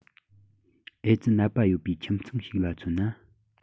ཨེ ཙི ནད པ ཡོད པའི ཁྱིམ ཚང ཞིག ལ མཚོན ན